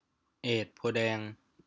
เอดโพธิ์แดง